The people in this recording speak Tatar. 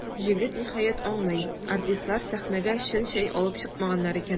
Җегет, ниһаять, аңлый: артистлар сәхнәгә чын чәй алып чыкмаганнар икән.